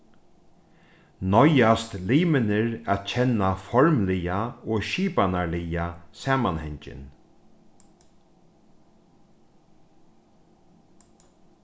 noyðast limirnir at kenna formliga og skipanarliga samanhangin